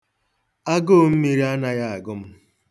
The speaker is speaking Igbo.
Agụụ mmiri anaghị agụ m.